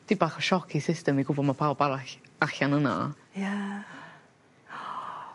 di' bach o sioc i system i gwbo ma' pawb arall allan yno. Ie.